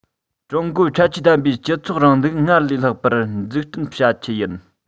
ཀྲུང གོའི ཁྱད ཆོས ལྡན པའི སྤྱི ཚོགས རིང ལུགས སྔར ལས ལྷག པར འཛུགས སྐྲུན བྱ ཆེད ཡིན